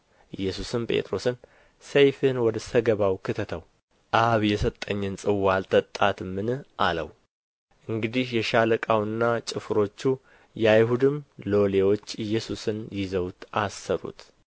ኢየሱስም ጴጥሮስን ሰይፍህን ወደ ሰገባው ክተተው አብ የሰጠኝን ጽዋ አልጠጣትምን አለው እንግዲህ የሻለቃውና ጭፍሮቹ የአይሁድም ሎሌዎች ኢየሱስን ይዘው አሰሩት